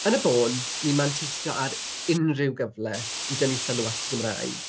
Yn y bôn, ni'n manteisio ar unryw gyfle i dynnu sylw at y Gymraeg.